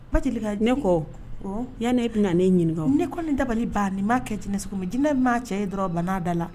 Bajelika ne ko o yan'e bɛna na ne ɲininka o ne kɔni dabali baan ni maa kɛ jinɛ sugu min jinɛ min maa cɛ ye dɔrɔn banaa da la